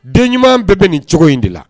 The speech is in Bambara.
Den ɲuman bɛɛ bɛ nin cogo in de la